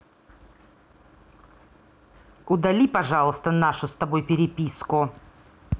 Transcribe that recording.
удали пожалуйста нашу с тобой переписку